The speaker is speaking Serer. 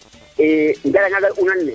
i im gara nga na unan ne